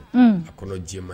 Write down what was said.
A kɔrɔ diɲɛ man